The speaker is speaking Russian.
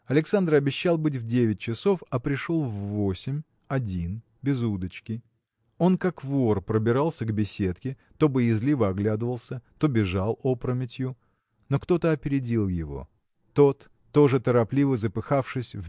Александр обещал быть в девять часов а пришел в восемь один без удочки. Он как вор пробирался к беседке то боязливо оглядывался то бежал опрометью. Но кто-то опередил его. Тот тоже торопливо запыхавшись